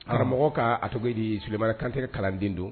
Karamɔgɔ ka a cogo di suba kantigɛ kalanden don